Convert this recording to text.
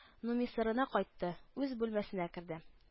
Нумирсырына кайтты, үз бүлмәсенә керде